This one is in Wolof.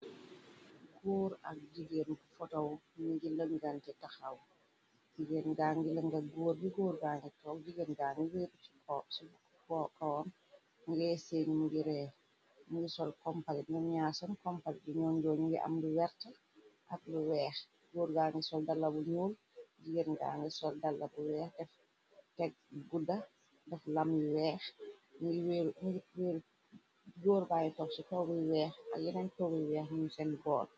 Góor ak jigéen bu fotow ningi lëngan ci taxaw jigeen da ngi lënga góor gi góor gangi tox jigeen da ngi weeru ikoon ngee seeñu ngiree ngi sol compakt naññaa seen kompak yi ñoon jooñ ngi am lu wert ak lu weex góor ga ngi sol dala bu ñuul jigeen da ngi sol dala bu weex def tek gudda def lam yu weex góor bangi tox ci tog yi weex ak yenaen togyi weex ñuy seen goor.